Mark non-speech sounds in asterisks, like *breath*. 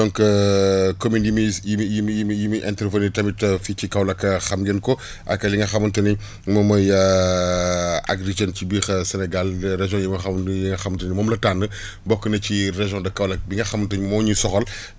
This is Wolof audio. donc *hesitation* communes yi muy yi muy yi muy yi muy intervenir tamit fii ci Kaolack xam ngeen ko ak li nga xamante ni moom mooy *hesitation* Agri Jeunes ci biir Sanagal régions yi nga xamnte ni yi nga xamante ni moom la tànn *breath* bokk na ci région de Kaolack bi nga xamante moo ñu soxal *breath*